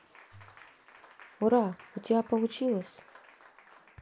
ура у тебя получилось